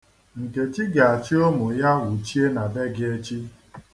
Nkechi ga-achị ụmụ ya wuchie na be gị echi.